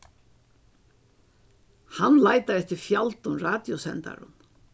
hann leitar eftir fjaldum radiosendarum